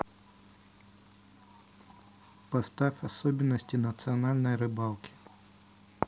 поставь особенности национальной рыбалки